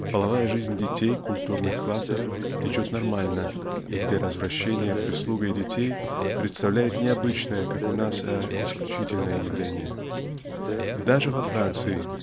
половая жизнь детей культурных классов течет нормально и где развращение прислугой детей представляет не обычное как у нас но исключительное явление. Даже во Франции